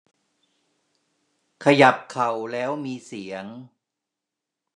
ขยับเข่าแล้วมีเสียง